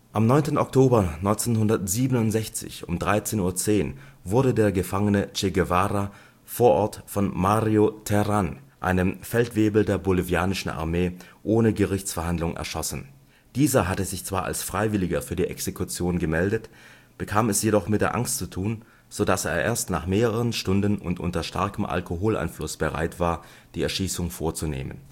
Am 9. Oktober 1967 13:10 Uhr wurde der Gefangene Che Guevara vor Ort von Mario Terán, einem Feldwebel der bolivianischen Armee, ohne Gerichtsverhandlung erschossen. Dieser hatte sich zwar als Freiwilliger für die Exekution gemeldet, bekam es dann jedoch mit der Angst zu tun, sodass er erst nach mehreren Stunden und unter starkem Alkoholeinfluss bereit war, die Erschießung vorzunehmen